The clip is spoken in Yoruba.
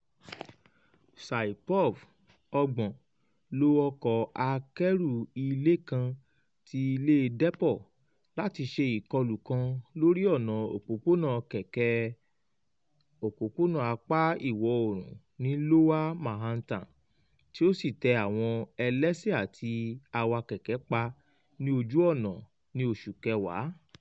Saipov, 30, lo ọkọ akẹ́rù Ilé kan ti Ilé Depot láti ṣe ìkọlù kan lóri ọ̀nà òpópónà kẹ̀kẹ́ Òpópónà Apá iwọ̀ oòrùn ní Lower Manhattan, tí ósì tẹ àwọn ẹlẹ́sẹ̀ àti awa kẹ̀kẹ́ pa ní ojú ọ̀nà ní Oṣù Kẹwàá.